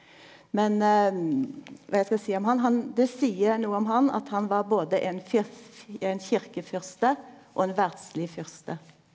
men kva eg skal seie om han han det seier noko om han at han var både ein ein kyrkjefyrste og ein verdsleg fyrste.